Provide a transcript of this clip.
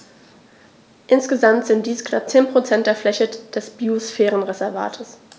Insgesamt sind dies knapp 10 % der Fläche des Biosphärenreservates.